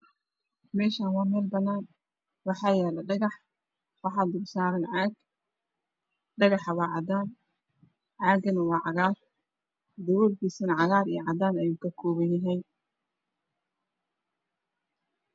Meeshan waa meel banaan waxaa yaalo dhagax waxaa dulsaaran caag dhagaxa waa cadaadan caagana waa cagaar furkiisana cagaar iyo cadaa ayuu ka kooban yahay